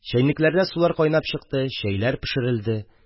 Чәйнекләрдә сулар кайнап чыкты, чәйләр пешерелде